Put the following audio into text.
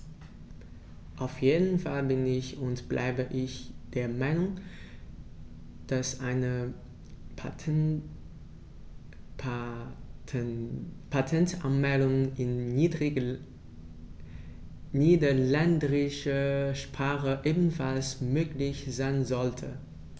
Auf jeden Fall bin - und bleibe - ich der Meinung, dass eine Patentanmeldung in niederländischer Sprache ebenfalls möglich sein sollte.